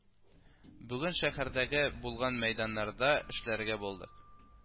Бүген шәһәрдәге булган мәйданнарда эшләргә булдык